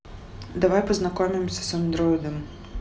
давай познакомимся с андроидом